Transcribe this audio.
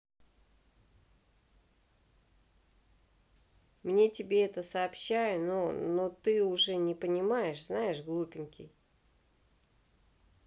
мне тебе это сообщаю но но ты уже не понимаешь знаешь глупенький